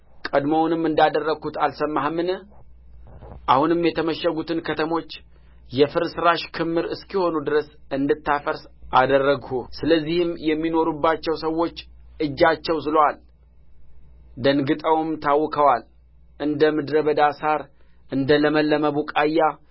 ቀድሞውንም እንዳደረግሁት አልሰማህምን አሁንም የተመሸጉትን ከተሞች የፍርስራሽ ክምር እስኪሆኑ ድረስ እንድታፈርስ አደረግሁህ ስለዚህም የሚኖሩባቸው ሰዎች እጃቸው ዝሎአል ደንግጠውም ታውከዋል እንደ ምድረ በዳ ሣር እንደ ለምለምም ቡቃያ